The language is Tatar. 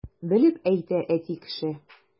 Белеп әйтә әти кеше!